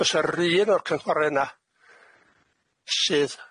Do's yr un o'r cynhwore yna sydd